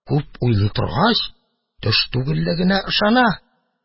Күп уйлый торгач, төш түгеллегенә ышана.